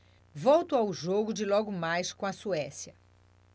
volto ao jogo de logo mais com a suécia